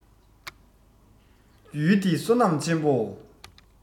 ཡུལ འདི བསོད ནམས ཆེན མོ